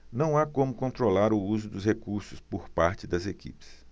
não há como controlar o uso dos recursos por parte das equipes